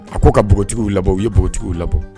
A ko ka npogow labɔ u ye npogotigiw lab